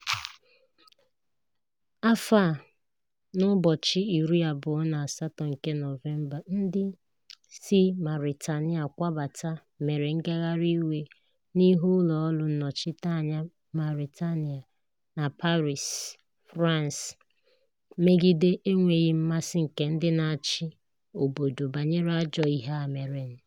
Afọ a n'ụbọchị 28 nke Nọvemba, ndị si Mauritania kwabata mere ngagharị iwe n'ihu ụlọ ọrụ nnọchiteanya Mauritania na Paris, France, megide enweghị mmasị nke ndị na-achị obodo banyere ajọ ihe a mere.